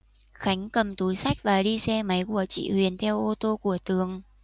khánh cầm túi xách và đi xe máy của chị huyền theo ô tô của tường